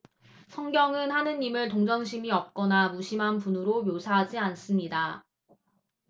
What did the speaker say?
성경은 하느님을 동정심이 없거나 무심한 분으로 묘사하지 않습니다